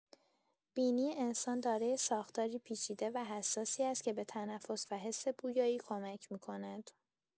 بینی انسان دارای ساختاری پیچیده و حساسی است که به تنفس و حس بویایی کمک می‌کند.